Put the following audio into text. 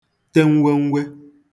te mwemwe